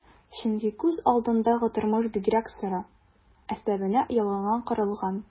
Чөнки күз алдындагы тормыш бигрәк соры, өстәвенә ялганга корылган...